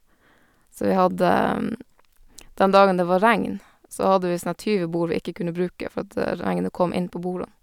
så vi hadde Dem dagene det var regn, så hadde vi sånn der tyve bord vi ikke kunne bruke, for at regnet kom inn på bordene.